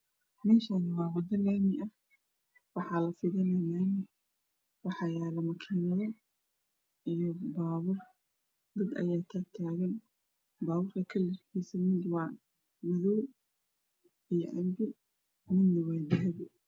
Meeshaani waa wado laami ah waxaa la fidinaaya laami waxaa yaalo makiinado iyo baabuur dad ayaa taag taagan. Baabuurta kalarkiisuna midi waa madow iyo cambe, midna waa dahabi.